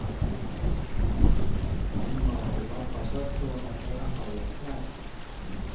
mamma og babba søgdu at tey ætlaðu at fara